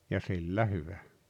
ja sillä hyvä